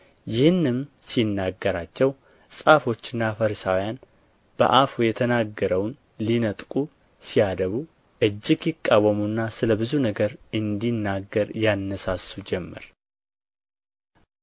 ይህንም ሲናገራቸው ጻፎችና ፈሪሳውያን በአፉ የተናገረውን ሊነጥቁ ሲያደቡ እጅግ ይቃወሙና ስለ ብዙ ነገር እንዲናገር ያነሣሡ ጀመር